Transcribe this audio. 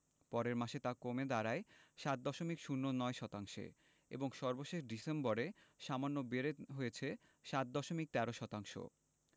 পরের মাসে তা কমে দাঁড়ায় ৭ দশমিক ০৯ শতাংশে এবং সর্বশেষ ডিসেম্বরে সামান্য বেড়ে হয়েছে ৭ দশমিক ১৩ শতাংশ